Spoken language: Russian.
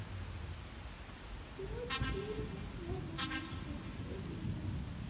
сегодня приедет мой влад манишка если сладко